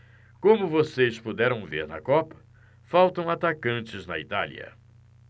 como vocês puderam ver na copa faltam atacantes na itália